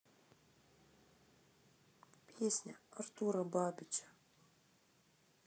песня артура бабича